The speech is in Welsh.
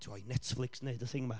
tibod i Netflix wneud y thing 'ma